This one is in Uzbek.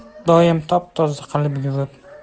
top toza qilib yuvib